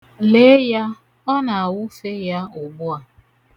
Lee ya, ọ na-awụfe ya ugbu a.